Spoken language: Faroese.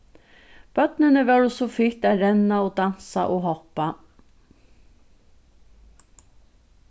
børnini vóru so fitt at renna og dansa og hoppa